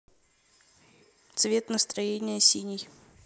цвет настроения синий